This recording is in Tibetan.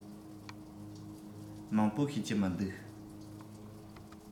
མང པོ ཤེས ཀྱི མི འདུག